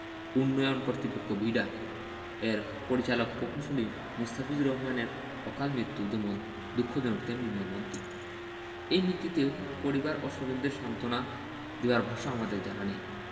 উন্নয়ন কর্তৃপক্ষ বিডা এর পরিচালক প্রকৌশলী মোস্তাফিজুর রহমানের অকালমৃত্যু যেমন দুঃখজনক তেমনি মর্মান্তিক এই মৃত্যুতে পরিবার ও স্বজনদের সান্তনা দেয়ার ভাষা আমাদের জানা নেই